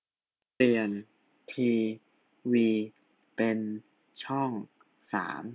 เปลี่ยนทีวีเป็นช่องสาม